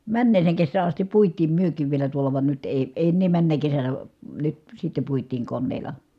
menneeseen kesään asti puitiin mekin vielä tuolla vaan nyt ei ei enää menneenä kesänä nyt sitten puitiin koneella